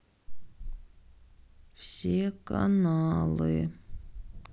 все каналы